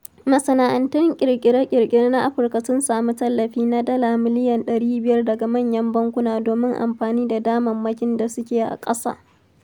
Masana’antun ƙirƙire-ƙirƙire na Afirka sun samu tallafi na Dala miliyon ɗari biyar daga manyan bankuna domin amfani da damammakin da suke a ƙasa.